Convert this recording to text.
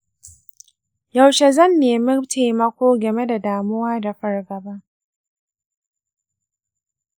yaushe zan nemi taimako game da damuwa da fargaba?